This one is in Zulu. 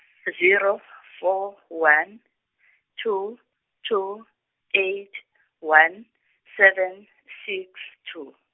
zero four one two two eight one seven six two.